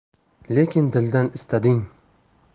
lekin dildan istading